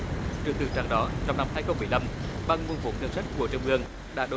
tương tự trận đó trong năm hai không mười lăm bằng nguồn vốn ngân sách của trung ương đã được